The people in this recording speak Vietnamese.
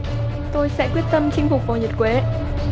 tôi sẽ quyết tâm chinh phục vòng nguyệt quế